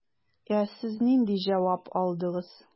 Ә сез нинди җавап алдыгыз?